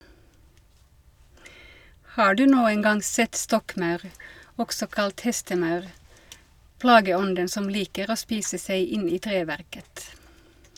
Har du noen gang sett stokkmaur, også kalt hestemaur, plageånden som liker å spise seg inn i treverket?